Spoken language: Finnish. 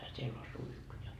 siellä on suihku ja